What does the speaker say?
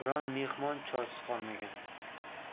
biron mehmon choysiz qolmagan